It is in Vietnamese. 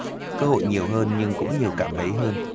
cơ hội nhiều hơn nhưng cũng nhiều cạm bẫy hơn